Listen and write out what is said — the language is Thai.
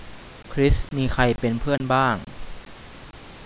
คริสมีใครเป็นเพื่อนบ้าง